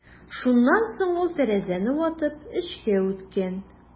Шуннан соң ул тәрәзәне ватып эчкә үткән.